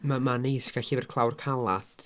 M- mae'n neis gael llyfr clawr caled.